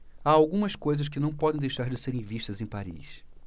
há algumas coisas que não podem deixar de serem vistas em paris